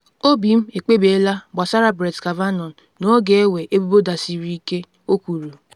“Obi m ekpebiela gbasara Brett Kavanaugh, na ọ ga-ewe ebubo dasiri ike,” o kwuru.